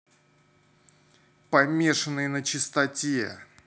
помешанные на чистоте